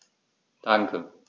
Danke.